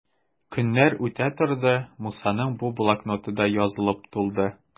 Көннәр үтә торды, Мусаның бу блокноты да язылып тулды.